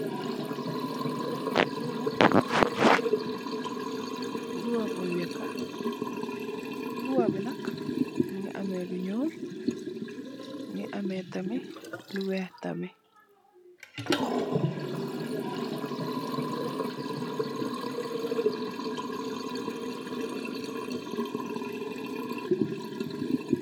Lii nak mbuba bun wehkah, mbuba bii nak mungy ameh lu njull, mungy ameh tamit lu wekh tamit.